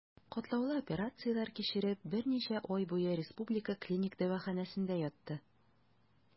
Катлаулы операцияләр кичереп, берничә ай буе Республика клиник дәваханәсендә ятты.